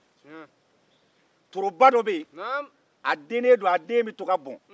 toroba dɔ bɛ yen a dennen don a den bɛ to ka bɔn